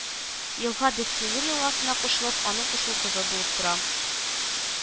Елга Бехтемир елгасына кушылып, аның кушылдыгы булып тора